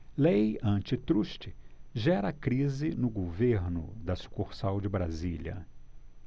lei antitruste gera crise no governo da sucursal de brasília